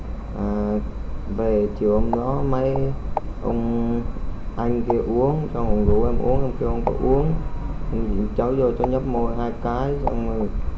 à về chiều hôm đó mấy ông anh kia uống xong cũng rủ em uống em kêu không có uống ông biểu cháu dô cháu nhấp môi hai cái xong rồi